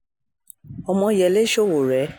Omoyole Sowore